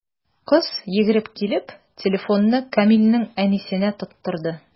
Кыз, йөгереп килеп, телефонны Камилнең әнисенә тоттырды.